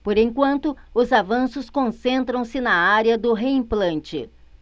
por enquanto os avanços concentram-se na área do reimplante